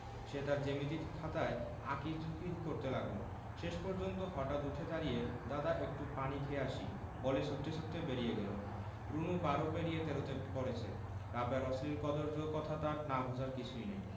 সে তার জ্যামিতি খাতায় আঁকি ঝুকি করতে লাগলো শেষ পর্যন্ত হঠাৎ উঠে দাড়িয়ে দাদা একটু পানি খেয়ে আসি বলে ছুটতে ছুটতে বেরিয়ে গেল রুনু বারো পেরিয়ে তেরোতে পড়েছে রাবেয়ার অশ্লীল কদৰ্য কথা তার না বুঝার কিছুই নেই